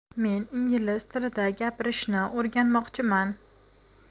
men ingliz tilida gapirishni o'rganmoqchiman